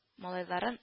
Малайларын